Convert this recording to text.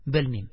Белмим,